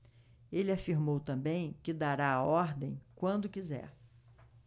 ele afirmou também que dará a ordem quando quiser